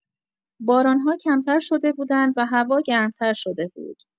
باران‌ها کمتر شده بودند و هوا گرم‌تر شده بود.